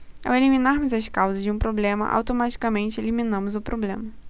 ao eliminarmos as causas de um problema automaticamente eliminamos o problema